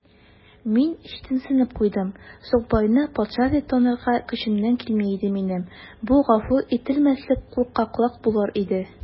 Мин читенсенеп куйдым: сукбайны патша дип танырга көчемнән килми иде минем: бу гафу ителмәслек куркаклык булыр иде.